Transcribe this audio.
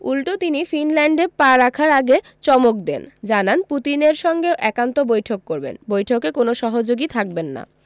উল্টো তিনি ফিনল্যান্ডে পা রাখার আগে চমক দেন জানান পুতিনের সঙ্গে একান্ত বৈঠক করবেন বৈঠকে কোনো সহযোগী থাকবেন না